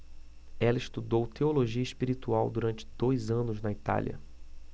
ela estudou teologia espiritual durante dois anos na itália